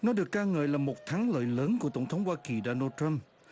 nó được ca ngợi là một thắng lợi lớn của tổng thống hoa kỳ đô nan trăm